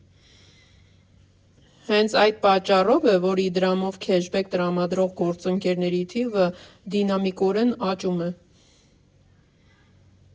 Հենց այդ պատճառով է, որ Իդրամով քեշբեք տրամադրող գործընկերների թիվը դինամիկորեն աճում է։